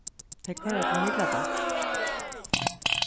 tey koyra til mikladals